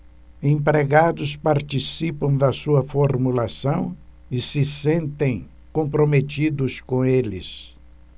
empregados participam da sua formulação e se sentem comprometidos com eles